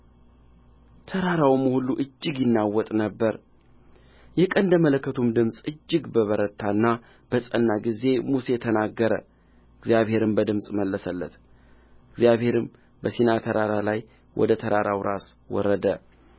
ተራራውም ሁሉ እጅግ ይናወጥ ነበር የቀንደ መለከቱም ድምፅ እጅግ በበረታና በጸና ጊዜ ሙሴ ተናገረ እግዚአብሔርም በድምፅ መለሰለት እግዚአብሔርም በሲና ተራራ ላይ ወደ ተራራው ራስ ወረደ